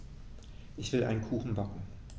Ich will einen Kuchen backen.